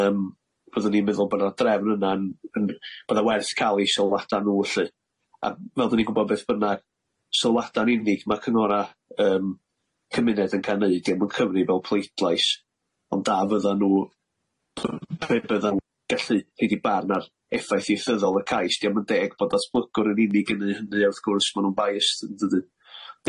Yym byddwn i'n meddwl bydd y drefn yna'n yn bydd e werth ca'l ei sylwada'n nhw lly a fel dan ni'n gwybod beth bynnag sylwada'n unig ma' cyngora' yym cymuned yn ca'l neud dio'm yn cyfri fel pleidlais ond a fyddan nhw p- p- be' byddan nhw gallu rili barn ar effaith ieithyddol y cais dio'm yn deg bod datblygwr yn unig yn neu' hynny wrth gwrs ma' nhw'n biased yndydyn?